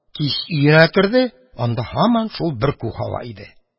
Кич өенә керде, анда һаман шул бөркү һава иде.